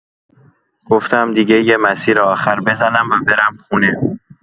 گفتم دیگه یه مسیر آخر بزنم و برم خونه.